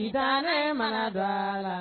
Mada